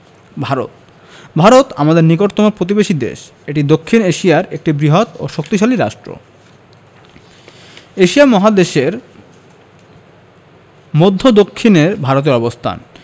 ভারতঃ ভারত আমাদের নিকটতম প্রতিবেশী দেশএটি দক্ষিন এশিয়ার একটি বৃহৎও শক্তিশালী রাষ্ট্র এশিয়া মহাদেশের মদ্ধ্য দক্ষিনে ভারতের অবস্থান